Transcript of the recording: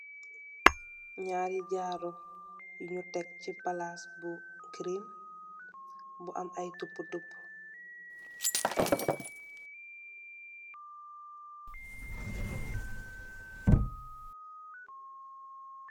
Nari jaru yinu teh ci palas bu wert bu am ayi topotopo.